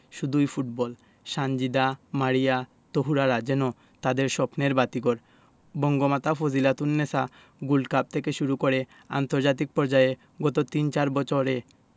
শুধুই ফুটবল সানজিদা মারিয়া তহুরারা যেন তাদের স্বপ্নের বাতিঘর বঙ্গমাতা ফজিলাতুন্নেছা গোল্ড কাপ থেকে শুরু করে আন্তর্জাতিক পর্যায়ে গত তিন চার বছরে